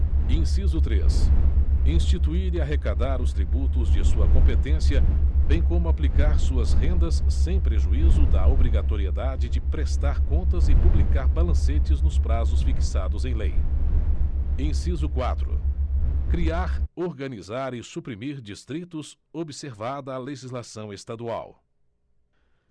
inciso três instituir e arrecadar os tributos de sua competência bem como aplicar suas rendas sem prejuízo da obrigatoriedade de prestar contas e publicar balancetes nos prazos fixados em lei inciso quatro criar organizar e suprimir distritos observada a legislação estadual